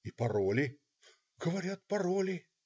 -"И пороли?"-"Говорят, пороли".